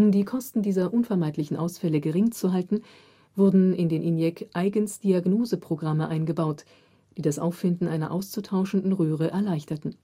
die Kosten dieser unvermeidlichen Ausfälle gering zu halten, wurden in den ENIAC eigens Diagnoseprogramme eingebaut, die das Auffinden einer auszutauschenden Röhre erleichterten